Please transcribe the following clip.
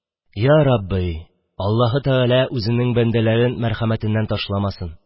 Ярабби, Аллаһы Тәгалә үзенең бәндәләрен мәрхәмәтеннән ташламасын!